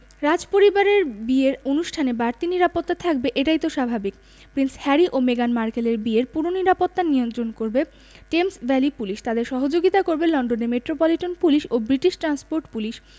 রাজপরিবারের বিয়ের অনুষ্ঠানে বাড়তি নিরাপত্তা থাকবে এটাই তো স্বাভাবিক প্রিন্স হ্যারি ও মেগান মার্কেলের বিয়ের পুরো নিরাপত্তা নিয়ন্ত্রণ করবে টেমস ভ্যালি পুলিশ তাঁদের সহযোগিতা করবে লন্ডনের মেট্রোপলিটন পুলিশ ও ব্রিটিশ ট্রান্সপোর্ট পুলিশ